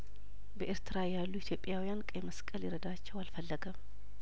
በኤርትራ ያሉ ኢትዮጵያውያን ቀይመስቀል ሊረዳቸው አልፈለገም